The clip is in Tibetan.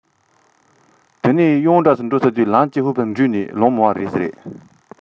དེ ནས གང ཙམ སོང རྗེས ལམ ཟུར དུ ཉལ ནས ལངས ཀྱི ཡོད མ རེད